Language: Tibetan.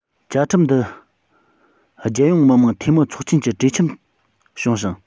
བཅའ ཁྲིམས འདི རྒྱལ ཡོངས མི དམངས འཐུས མི ཚོགས ཆེན གྱིས གྲོས འཆམ བྱུང ཞིང